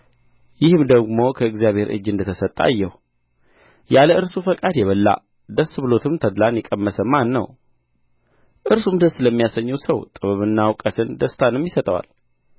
ይህም ደግሞ ከእግዚአብሔር እጅ እንደ ተሰጠ አየሁ ያለ እርሱ ፈቃድ የበላ ደስ ብሎትም ተድላን የቀመሰ ማን ነው እርሱም ደስ ለሚያሰኘው ሰው ጥበብንና እውቀትን ደስታንም ይሰጠዋል